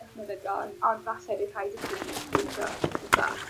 'ych meddygon ond falle bydd rhaid i chi frwydro dipyn bach.